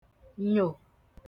nyò